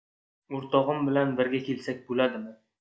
o'rtog'im bilan birga kelsak bo'ladimi